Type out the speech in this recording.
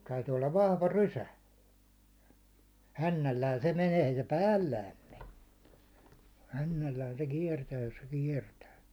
täytyy olla vahva rysä hännällään se menee ei se päällään mene hännällään se kiertää jos se kiertää